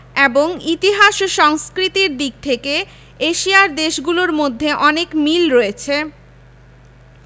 এবং ইতিহাস ও সংস্কৃতির দিক থেকে এশিয়ার দেশগুলোর মধ্যে অনেক মিল রয়েছে